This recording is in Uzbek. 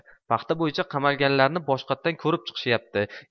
paxta bo'yicha qamalganlarni boshqatdan ko'rib chiqishayapti